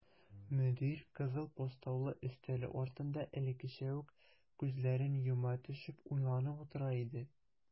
Мөдир кызыл постаулы өстәле артында элеккечә үк күзләрен йома төшеп уйланып утыра иде.